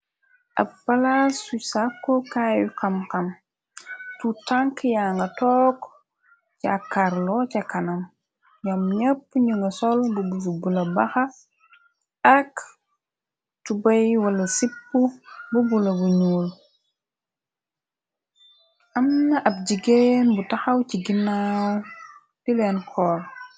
Ab palaas suy sàkkokaayu xam-xam tu tank yaa nga took ci ak karlo ca kanam ñoom ñepp ñu nga sol bubu bu la baxa ak tubay wala sip bu bula bu ñuul am na ab jigéen bu taxaw ci ginnaaw dileen xool.